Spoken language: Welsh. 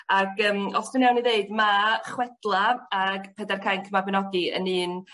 Ad yym os 'di o'n iawn i ddeud ma' chwedla ag pedair cainc Mabinogi yn un